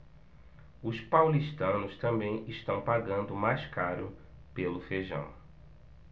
os paulistanos também estão pagando mais caro pelo feijão